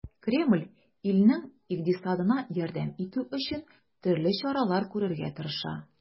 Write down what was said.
Кремль илнең икътисадына ярдәм итү өчен төрле чаралар күрергә тырыша.